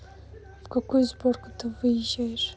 в какую сборку ты въезжаешь